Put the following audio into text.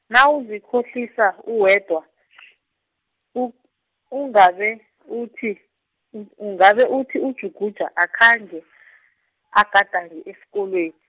nawuzikhohlisa uwedwa , u- ungabe uthi, un- ungabe uthi uJuguja akhange , agadange esikolweni.